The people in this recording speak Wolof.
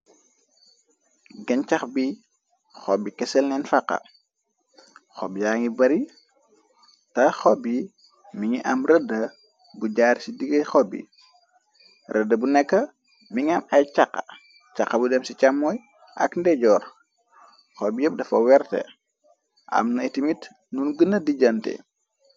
Geñcax bi xob bi kese leen faxa, xob yaa ngi bari te xob yi mi ngi am rëdda bu jaar ci dige xob bi, rëdda bu nekka mi ngi am ay caxa, caxa bu dem ci camooy ak ndeejoor, xob yeb dafa werte, amna iti mit nun gëna dijante.